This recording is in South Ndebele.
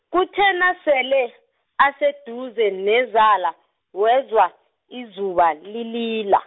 kuthe nasele, aseduze nezala, wezwa, izuba lilila.